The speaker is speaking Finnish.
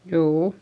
juu